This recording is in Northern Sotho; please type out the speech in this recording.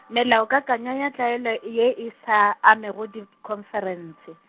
melao kakanyo ya tlwaelo e ye e sa, amego di khonferense.